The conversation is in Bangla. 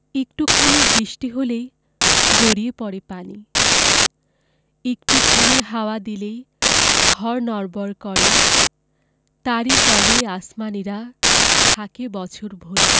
একটু খানি বৃষ্টি হলেই গড়িয়ে পড়ে পানি একটু খানি হাওয়া দিলেই ঘর নড়বড় করে তারি তলে আসমানীরা থাকে বছর ভরে